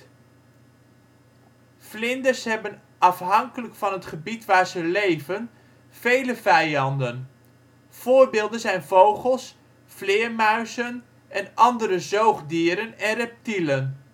Vlinders hebben, afhankelijk van het gebied waar ze leven, vele vijanden. Voorbeelden zijn vogels, vleermuizen en andere zoogdieren en reptielen